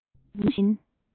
ཐུང ཐུང མིན ལ